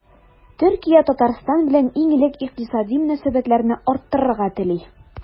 Төркия Татарстан белән иң элек икътисади мөнәсәбәтләрне арттырырга тели.